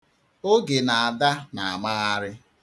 Oge na Ada na-amagharị.